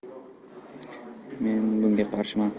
men bunga qarshiman